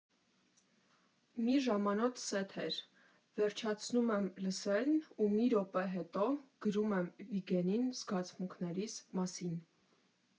Մի ժամանոց սեթ էր, վերջացնում եմ լսելն ու մի րոպե հետո գրում եմ Վիգենին զգացմունքներիս մասին։